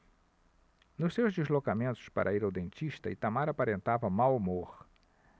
nos seus deslocamentos para ir ao dentista itamar aparentava mau humor